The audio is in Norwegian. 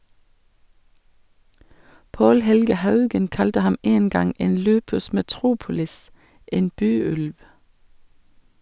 Andrij Sjevtsjenko avslutter landslagskarrieren på hjemmebane - med EM.